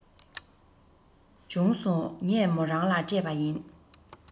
བྱུང སོང ངས མོ རང ལ སྤྲད པ ཡིན